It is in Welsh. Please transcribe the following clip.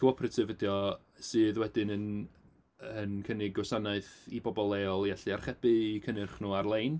Cooperative ydy o sydd wedyn yn yn cynnig gwasanaeth i bobl leol i allu archebu eu cynnyrch nhw ar-lein.